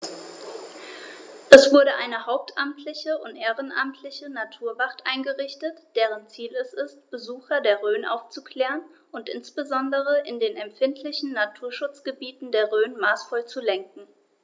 Es wurde eine hauptamtliche und ehrenamtliche Naturwacht eingerichtet, deren Ziel es ist, Besucher der Rhön aufzuklären und insbesondere in den empfindlichen Naturschutzgebieten der Rhön maßvoll zu lenken.